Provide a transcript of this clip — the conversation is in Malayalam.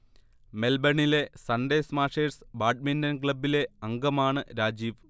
മെൽബണിലെ സൺഡേ സ്മാഷേഴ്സ് ബാഡ്മിന്റൺ ക്ലബിലെ അംഗമാണ് രാജീവ്